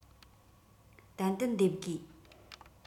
ཏན ཏན འདེབས དགོས